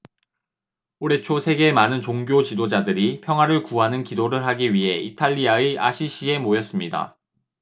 올해 초 세계의 많은 종교 지도자들이 평화를 구하는 기도를 하기 위해 이탈리아의 아시시에 모였습니다